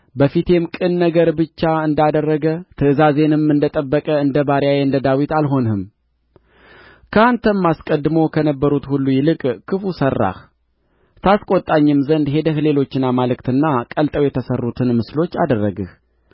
በፊቴም ቅን ነገር ብቻ እንዳደረገ ትእዛዜንም እንደ ጠበቀ እንደ ባሪያዬ እንደ ዳዊት አልሆንህም ከአንተም አስቀድመው ከነበሩት ሁሉ ይልቅ ክፉ ሠራህ ታስቈጣኝም ዘንድ ሄደህ ሌሎችን አማልክትና ቀልጠው የተሠሩትን ምስሎች አደረግህ